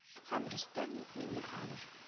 Һәм рөстәм миңнеханов